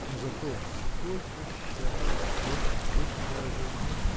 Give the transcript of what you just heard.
но зато сколько счастья в этом глупом выражении!